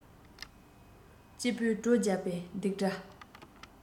སྐྱིད པོའི བྲོ རྒྱག པའི རྡིག སྒྲ